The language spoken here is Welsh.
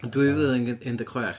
Yn dwy fil ac unge- un deg chwech.